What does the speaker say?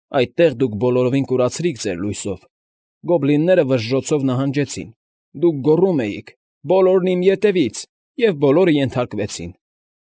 Այդտեղ դուք բոլորին կուրացրիք ձեր լույսով, գոբլինները վժժոցով նահանջեցին, դուք գոռում էիք. «Բոլորն իմ ետևից», և բոլորը ենթարկվեցին։